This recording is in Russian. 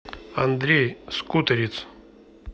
андрей скуторец